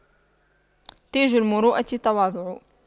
تاج المروءة التواضع